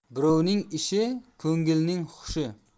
birovning ishi ko'ngilning hushi